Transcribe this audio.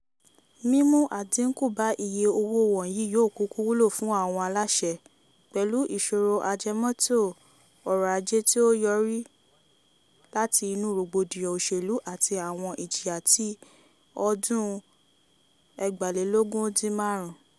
Mímú àdínkù bá iye owó wọ̀nyìí yóò kúkú wúlò fún àwọn aláṣẹ, pẹ̀lú ìṣòro ajẹmétò ọrọ̀-ajé tí ó yọrí láti inú rògbòdìyàn òṣèlú àti àwọn ìjìyà ti ọdún 2015.